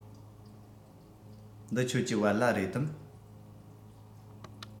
འདི ཁྱོད ཀྱི བལ ལྭ རེད དམ